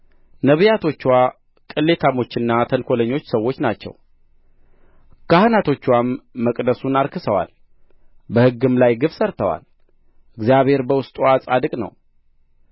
ነቢያቶችዋ ቅሌታሞችና ተንኰለኞች ሰዎች ናቸው ካህናቶችዋም መቅደሱን አርክሰዋል በሕግም ላይ ግፍ ሠርተዋል እግዚአብሔር በውስጥዋ ጻድቅ ነው